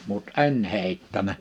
mutta en heittänyt